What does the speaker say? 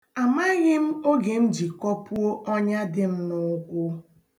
Amaghị m oge m ji kọpuo ọnya dị m n'ụkwụ.